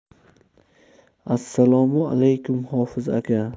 assalomu alaykum hofiz aka